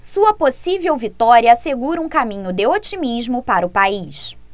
sua possível vitória assegura um caminho de otimismo para o país